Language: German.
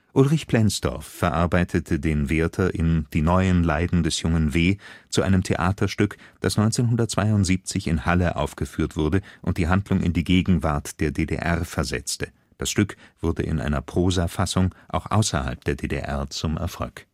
Ulrich Plenzdorf verarbeitete den Werther in Die neuen Leiden des jungen W. zu einem Theaterstück, das 1972 in Halle aufgeführt wurde und die Handlung in die Gegenwart der DDR versetzte; das Stück wurde in einer Prosafassung auch außerhalb der DDR zum Erfolg